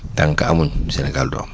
tant que amuñ Sénégal du am